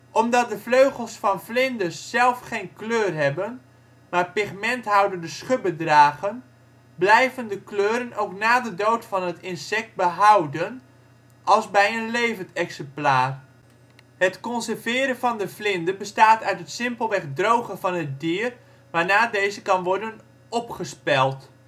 Omdat de vleugels van vlinders zelf geen kleur hebben, maar pigmenthoudende schubben dragen, blijven de kleuren ook na de dood van het insect behouden als bij een levend exemplaar. Het conserveren van de vlinder bestaat uit het simpelweg drogen van het dier waarna deze kan worden opgespeld